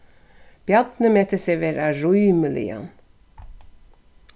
bjarni metir seg vera rímiligan